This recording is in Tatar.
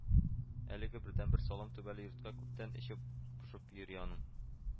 Әлеге бердәнбер салам түбәле йортка күптән эче пошып йөри аның